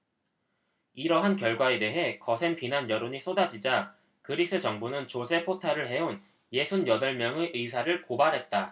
이러한 결과에 대해 거센 비난 여론이 쏟아지자 그리스 정부는 조세 포탈을 해온 예순 여덟 명의 의사를 고발했다